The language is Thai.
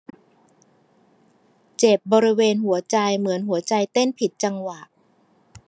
เจ็บบริเวณหัวใจเหมือนหัวใจเต้นผิดจังหวะ